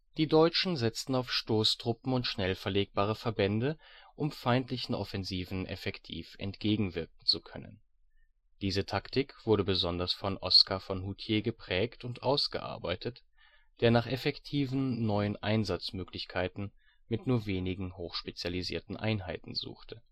Die Deutschen setzten auf Stoßtruppen und schnell verlegbare Verbände, um feindlichen Offensiven effektiv entgegenwirken zu können. Diese Taktik wurde besonders von Oskar von Hutier geprägt und ausgearbeitet, der nach effektiven, neuen Einsatzmöglichkeiten mit nur wenigen, hochspezialisierten Einheiten suchte